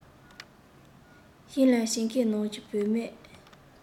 ཞིང ལས བྱེད མཁན ནང གྱི བུད མེད